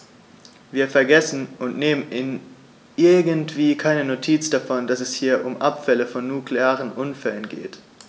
Wir vergessen, und nehmen irgendwie keine Notiz davon, dass es hier um Abfälle von nuklearen Unfällen geht.